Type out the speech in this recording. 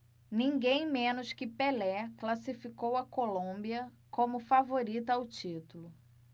ninguém menos que pelé classificou a colômbia como favorita ao título